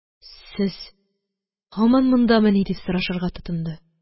– сез һаман мондамыни? – дип сорашырга тотынды.